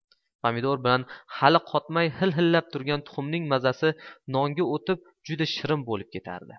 pomidor bilan hali qotmay xil xillab turgan tuxumning mazasi nonga o'tib juda shirin bo'lib ketardi